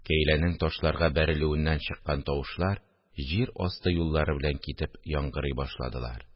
Кәйләнең ташларга бәрелүеннән чыккан тавышлар җир асты юллары белән китеп яңгырый башладылар